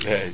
eyyi